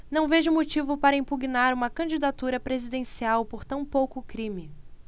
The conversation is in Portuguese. não vejo motivo para impugnar uma candidatura presidencial por tão pouco crime